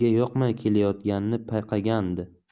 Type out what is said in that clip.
o'ziga yoqmay kelayotganini payqagandi